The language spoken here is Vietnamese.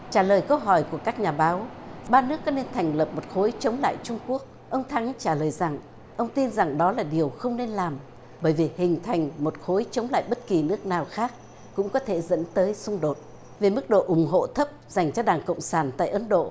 trả lời câu hỏi của các nhà báo ba nước các nước thành lập một khối chống lại trung quốc ông thắng trả lời rằng ông tin rằng đó là điều không nên làm bởi việc hình thành một khối chống lại bất kỳ nước nào khác cũng có thể dẫn tới xung đột về mức độ ủng hộ thấp dành cho đảng cộng sản tại ấn độ